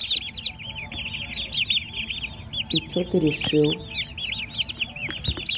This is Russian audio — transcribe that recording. и че ты решил